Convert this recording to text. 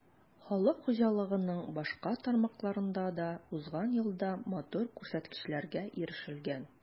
Халык хуҗалыгының башка тармакларында да узган елда матур күрсәткечләргә ирешелгән.